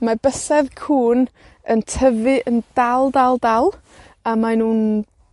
Ma' Bysedd Cŵn yn tyfu yn dal, dal, dal, a mae nw'n